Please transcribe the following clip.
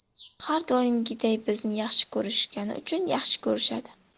har doimgiday bizni yaxshi ko'rishgani uchun yaxshi ko'rishadi